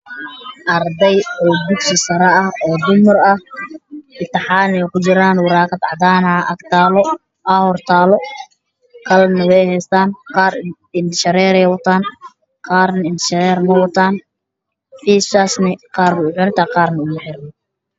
Waa arday oo dugsi sare ah oo dumar ah tintixaan ay kujiraan warqad cadaan ah agtaalo, qaar qalin ayay haystaan qaarna indho shareer wataan, qaarna indho shareer mawataan, fasmaaska qaarna way wataan qaarna ma wataan.